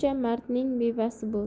mardning bevasi bo'l